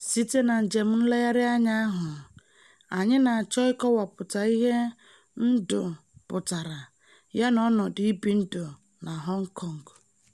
Site na njem nlegharị anya ahụ, anyị na-achọ ịkọwapụta ihe ndụ pụtara yana ọnọdụ ibi ndụ na Hong Kong.